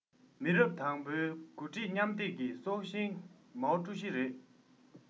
མི རབས དང པོའི འགོ ཁྲིད མཉམ སྡེབ ཀྱི སྲོག ཤིང ནི མའོ ཀྲུའུ ཞི རེད